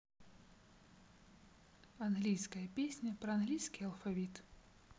английская песня про английский алфавит